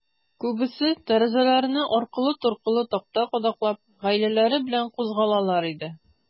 Күбесе, тәрәзәләренә аркылы-торкылы такта кадаклап, гаиләләре белән кузгалалар иде.